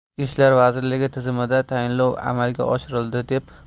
ichki ishlar vazirligi tizimida tayinlov amalga oshirildi deb